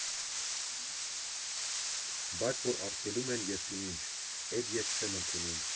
Բայց որ արգելում են, եսիմինչ, էդ ես չեմ ընդունում։